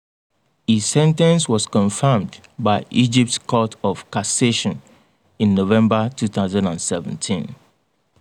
His sentence was confirmed by Egypt’s Court of Cassation in November 2017.